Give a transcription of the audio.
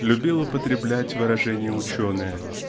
любил употреблять выражения ученые.